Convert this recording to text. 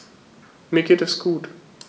Mir geht es gut.